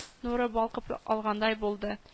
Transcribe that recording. Нуры балкып алгандай булды